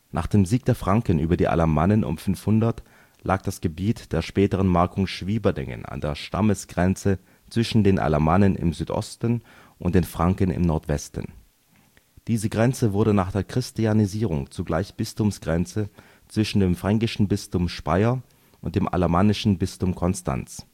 Nach dem Sieg der Franken über die Alamannen um 500 lag das Gebiet der späteren Markung Schwieberdingen an der Stammesgrenze zwischen den Alamannen im Südosten und den Franken im Nordwesten. Diese Grenze wurde nach der Christianisierung zugleich Bistumsgrenze zwischen dem fränkischen Bistum Speyer und dem alamannischen Bistum Konstanz